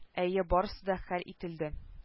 Әйе барысы да хәл ителде